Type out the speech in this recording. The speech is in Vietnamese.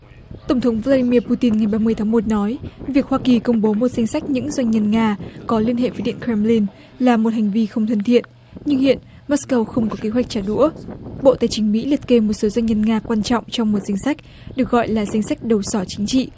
tổng thống vua lây mi pu tin ngày ba mươi tháng một nói việc hoa kỳ công bố một danh sách những doanh nhân nga có liên hệ với điện kem lin là một hành vi không thân thiện nhưng hiện vát câu không có kế hoạch trả đũa bộ tài chính mỹ liệt kê một số doanh nhân nga quan trọng trong một danh sách được gọi là danh sách đầu sỏ chính trị